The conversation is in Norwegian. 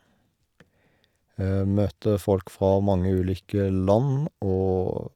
Møter folk fra mange ulike land, og...